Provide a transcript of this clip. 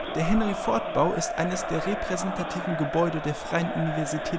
Der Henry-Ford-Bau ist eines der repräsentativen Gebäude der Freien Universität